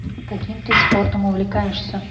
каким ты спортом увлекаешься